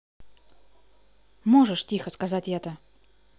можешь тихо сказать это